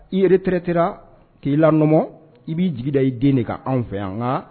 I yɛrɛ trete k'i la nɔgɔn i b'i jigi da i den de' anw fɛ yan an nka